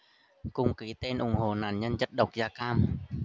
cùng ký tên ủng hộ nạn nhân chất độc da cam